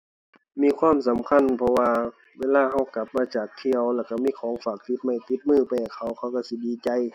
มีความสำคัญ เพราะว่าเวลาเรากลับมาจากเที่ยว แล้วเรามีของฝากติดไม้ติดมือไปให้เขา เขาเราสิดีใจ